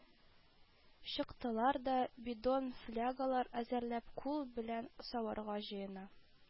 Чыктылар да, бидон-флягалар әзерләп, кул белән саварга җыена